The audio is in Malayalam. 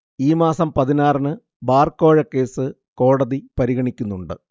ഈ മാസം പതിനാറിന് ബാർ കോഴക്കേസ് കോടതി പരിഗണിക്കുന്നുണ്ട്